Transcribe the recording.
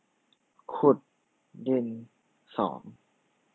ขุดดินสอง